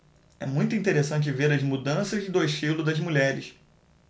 é muito interessante ver as mudanças do estilo das mulheres